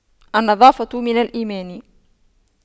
النظافة من الإيمان